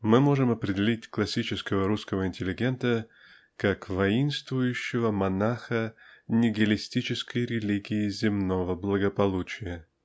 мы можем определить классического русского интеллигента как воинствующего монаха нигилистической религии земного благополучия.